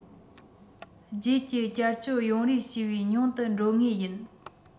རྗེས ཀྱི བསྐྱར གཅོད ཡོང རེ ཞུས པའི ཉུང དུ འགྲོ ངེས ཡིན